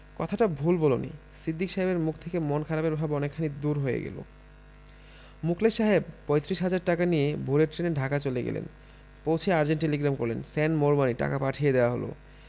কথাটা ভুল বলনি সিদ্দিক সাহেবের মুখ থেকে মন খারাপের ভাব অনেকখানি দূর হয়ে গেল মুখলেস সাহেব পয়ত্রিশ হাজার টাকা নিয়ে ভোরের ট্রেনে ঢাকা চলে গেলেন পৌছেই আর্জেন্ট টেলিগ্রাম করলেন সেন্ড মোর মানি ঢাকা পাঠিয়ে দেয়া হল